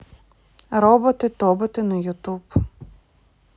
роботы тоботы на ютуб